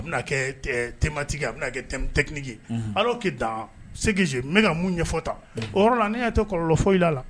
A bɛ kɛ tematigi a bɛ kɛge ala' dan bɛ ka mun ɲɛfɔta o yɔrɔ la nei'a tɛ kɔlɔlɔfɔ ila la